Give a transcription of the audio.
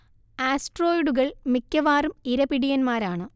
ആസ്റ്ററോയ്ഡുകൾ മിക്കവാറും ഇരപിടിയന്മാരാണ്